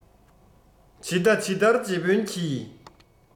ཇི ལྟ ཇི ལྟར རྗེ དཔོན གྱིས